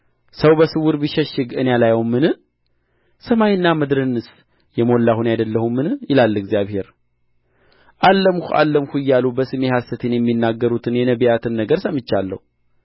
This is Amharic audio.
ሰው በስውር ቢሸሸግ እኔ አላየውምን ሰማይንና ምድርንስ የሞላሁ እኔ አይደለሁምን ይላል እግዚአብሔር አለምሁ አለምሁ እያሉ በስሜ ሐሰትን የሚናገሩትን የነቢያትን ነገር ሰምቻለሁ